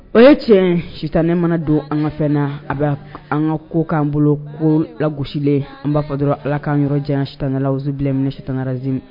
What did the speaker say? O ye tiɲɛ sitan ne mana don an ka fɛ na a bɛ an ka ko k'an bolo ko lagossilen an b'a fɔ dɔrɔn ala ka yɔrɔ jan sidalasi bilen minɛ sitananaraze